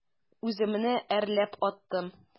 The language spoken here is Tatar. Үземне әрләп аттым.